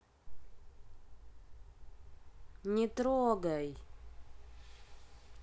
не трогай